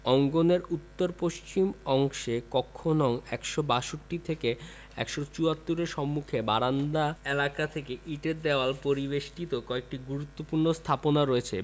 অঙ্গনের উত্তর পশ্চিম অংশে কক্ষ নং ১৬২ থেকে ১৭৪ এর সম্মুখস্থ বারান্দা এলাকা থেকে ইটের দেয়াল পরিবেষ্টিত কয়েকটি গুরুত্বপূর্ণ স্থাপনা রয়েছে